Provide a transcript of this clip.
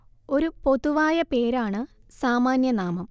ഒരു പൊതുവായ പേരാണ് സാമാന്യ നാമം